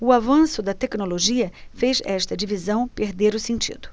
o avanço da tecnologia fez esta divisão perder o sentido